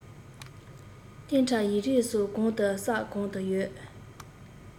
གཏན ཁྲ ཡིག རིགས སོགས གང དུ གསལ གང དུ ཡོད